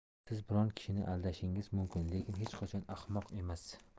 siz biron kishini aldashingiz mumkin lekin hech qachon ahmoq emas